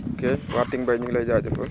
ok waa Ticmbay ñu ngi lay jaajëfal